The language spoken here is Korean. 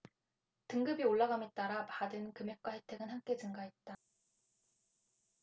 등급이 올라감에 따라 받은 금액과 혜택은 함께 증가했다